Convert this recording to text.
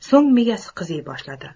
so'ng miyasi qiziy boshladi